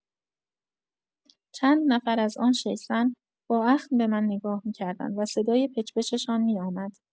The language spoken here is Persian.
چند نفر از آن شش زن، با اخم به من نگاه می‌کردند و صدای پچ‌پچ‌شان می‌آمد.